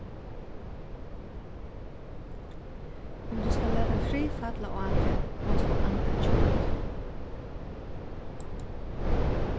um tú skalt lata frið falla á teg mást tú anda djúpt